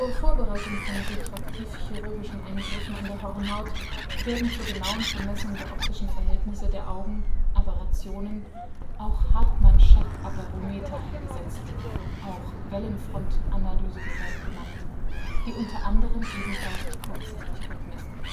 Vorbereitung von refraktiv-chirurgischen Eingriffen an der Hornhaut werden zur genauen Vermessung der optischen Verhältnisse der Augen (Aberrationen) auch Hartmann-Shack Aberrometer eingesetzt (auch Wellenfrontanalysegerät genannt), die unter anderem ebenfalls die Kurzsichtigkeit messen